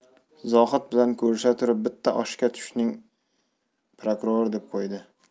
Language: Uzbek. zohid bilan ko'risha turib bitta oshga tushding prokuror deb qo'ydi